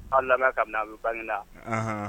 An lamɛn kabini u bɛ kanina